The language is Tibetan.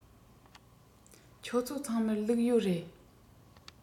ཁྱོད ཚོ ཚང མར ལུག ཡོད རེད